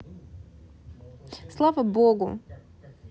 слава богу